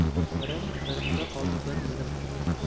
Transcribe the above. pirim pirimda qoldi bir mirim